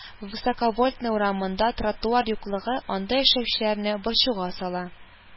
Высоковольтная урамында тротуар юклыгы анда яшәүчеләрне борчуга сала